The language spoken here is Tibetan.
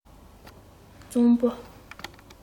གཙང པོ